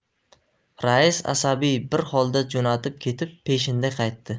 rais asabiy bir holda jo'nab ketib peshinda qaytdi